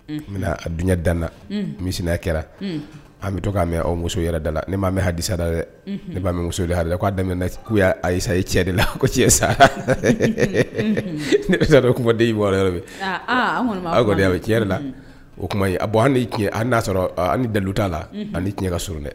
Mɛ a bi dan misi kɛra an bɛ to k' mɛn muso yɛrɛ da la ne'a mɛn hadisada dɛ ne'a muso k'a da ko y'a ayisa ye cɛ de la ko cɛ sa ne fɔden y'i wɔɔrɔ yɔrɔ a bɛ cɛri la o tuma hali'a sɔrɔ an dalu t'a la ani cɛn kaurun dɛ